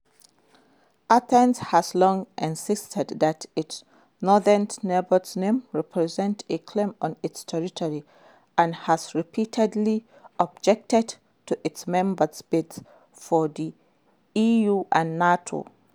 Athens has long insisted that its northern neighbor's name represents a claim on its territory and has repeatedly objected to its membership bids for the EU and NATO.